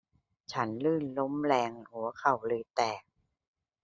ฉันลื่นล้มแรงหัวเข่าเลยแตก